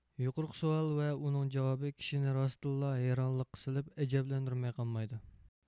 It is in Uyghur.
يۇقىرىقى سوئال ۋە ئۇنىڭ جاۋابى كىشىنى راستتىنلا ھەيرانلىققا سېلىپ ئەجەبلەندۈرمەي قالمايدۇ